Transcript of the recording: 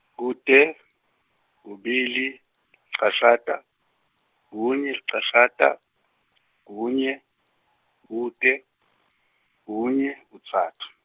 kute, kubili, licashata, kunye licashata, kunye, kute, kunye, kutsatfu.